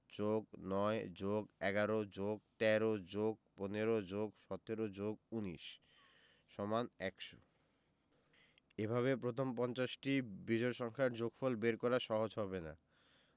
+৯+১১+১৩+১৫+১৭+১৯=১০০ এভাবে প্রথম পঞ্চাশটি বিজোড় সংখ্যার যোগফল বের করা সহজ হবে না